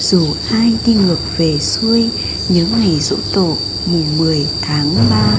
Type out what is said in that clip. dù ai đi ngược về xuôi nhớ ngày giỗ tổ mùng tháng